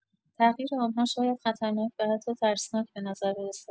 تغییر آن‌ها شاید خطرناک و حتی ترسناک به نظر برسد.